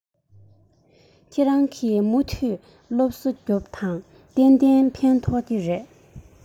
ཁྱེད རང གིས མུ མཐུད སློབ གསོ རྒྱོབས དང གཏན གཏན ཕན ཐོགས ཀྱི རེད